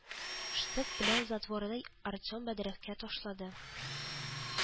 Штык белән затворны Артем бәдрәфкә ташлады